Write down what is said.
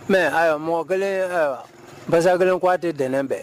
Mɛ ayiwa mɔgɔ kelen basa kelen' tɛ ntɛnɛn bɛɛ